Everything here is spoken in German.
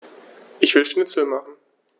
Ich will Schnitzel machen.